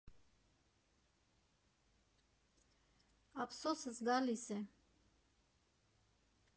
Ափսոսս գալիս է։